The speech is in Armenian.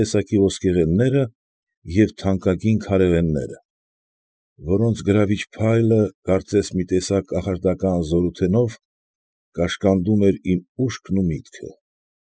Տեսակի ոսկեղենները և թանկագին քարեղենները, որոնց գրավիչ փայլը, կարծես մի տեսակ կախարդական զորութենով, կաշկանդում էր իմ ուշքն ու միտքը։